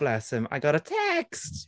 Bless him, "I got a text!"